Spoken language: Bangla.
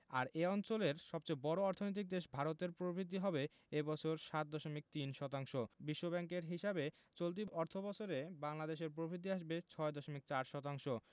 আর এ অঞ্চলের সবচেয়ে বড় অর্থনৈতিক দেশ ভারতের প্রবৃদ্ধি হবে এ বছর ৭.৩ শতাংশ বিশ্বব্যাংকের হিসাবে চলতি অর্থবছরে বাংলাদেশের প্রবৃদ্ধি আসবে ৬.৪ শতাংশ